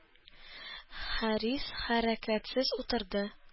Харис хәрәкәтсез утырды.